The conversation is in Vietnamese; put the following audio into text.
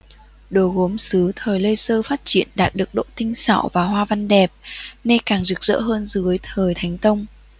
đồ gốm sứ thời lê sơ phát triển đạt được độ tinh xảo và hoa văn đẹp nay càng rực rỡ hơn dưới thời thánh tông